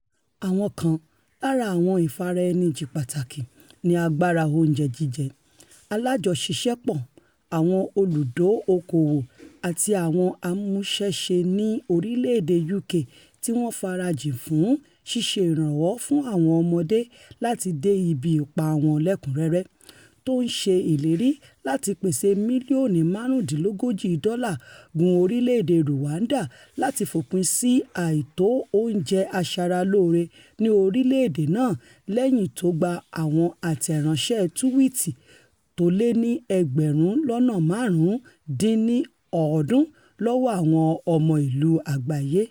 Àwọn kan lára àwọn ìfaraẹnijìn pàtàkì ni Agbára Oúnjẹ Jíjẹ̀, aláàjọṣiṣẹ́pọ àwọn olùdóokoòwò àti àwọn amúṣẹ́ṣe ní orílẹ̀-èdè UK tíwọ́n farajìn fún ''ṣiṣe ìrànwọ́ fún àwọn ọmọdé láti de ibi ipá wọn lẹ́ẹ̀kúnrẹ́rẹ́,'' tó ńṣe ìlérí láti pèsè mílíọnù márùndínlógójì dọ́là gún orílẹ̀-èdè Rwanda latí fòpin sí àìtó oúnjẹ aṣaralóore ní orílẹ̀-èdè náà lẹ́yìn tógba àwọn àtẹ̀ránṣẹ́ tuwiti tólé ní ẹgbẹ́rùn lọ́ná máàrún dín ní ọ̀ọ́dún lọ́wọ́ Àwọn Ọmọ Ìlú Àgbáyé.